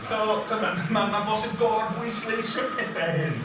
So, t'bod, mae'n... mae'n bosib gorbwysleisio'r pethau hyn.